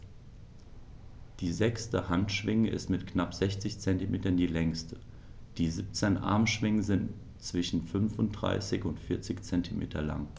Die sechste Handschwinge ist mit knapp 60 cm die längste. Die 17 Armschwingen sind zwischen 35 und 40 cm lang.